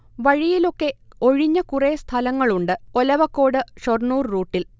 വഴിയിലൊക്കെ ഒഴിഞ്ഞ കുറേ സ്ഥലങ്ങൾ ഉണ്ട്, ഒലവക്കോട്-ഷൊർണൂർ റൂട്ടിൽ